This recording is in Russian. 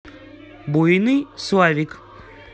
буйный славик